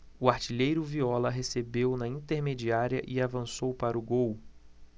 o artilheiro viola recebeu na intermediária e avançou para o gol